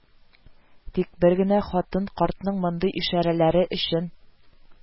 Тик бер генә хатын картның мондый ишарәләре өчен: